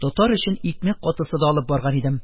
Тотар өчен икмәк катысы да алып барган идем.